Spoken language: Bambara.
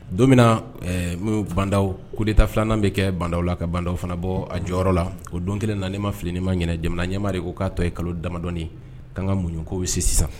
Don min na banw kota filanan bɛ kɛ banw la ka banw fana bɔ a jɔyɔrɔ la o don kelen naen ma filiin ma ɲ jamana ɲɛmaari o k'a tɔ ye kalo damadɔi ka kan ka munɲ ko bɛ se sisan